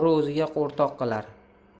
o'g'ri o'ziga o'rtoq qilar